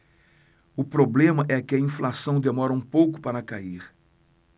o problema é que a inflação demora um pouco para cair